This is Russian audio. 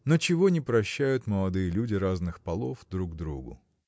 Но чего не прощают молодые люди разных полов друг другу?